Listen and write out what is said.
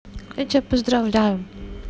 я тебя поздравляю